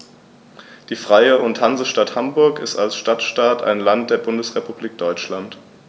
Die Freie und Hansestadt Hamburg ist als Stadtstaat ein Land der Bundesrepublik Deutschland.